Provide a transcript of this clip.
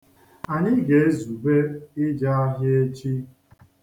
Anyị ga-ezube ije ahịa echi.